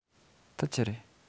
དེ ཆི རེད